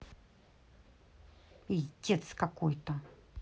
пиздец какой то